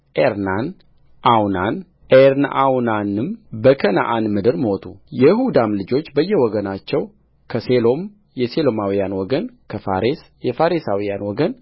ዔርና አውናን ዔርና አውናንም በከነዓን ምድር ሞቱየይሁዳም ልጆች በየወገናቸው ከሴሎም የሴሎማውያን ወገን ከፋሬስ የፋሬሳውያን ወገን